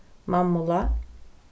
mammulág